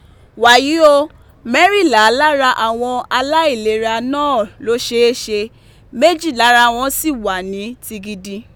Wàyí o, mẹ́rìnlá lára àwọn àìlera náà ló ṣeé ṣe, méjì lára wọn sì wà ní ti gidi.